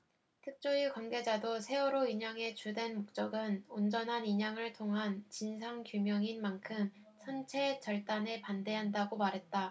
특조위 관계자도 세월호 인양의 주된 목적은 온전한 인양을 통한 진상규명인 만큼 선체 절단에 반대한다고 말했다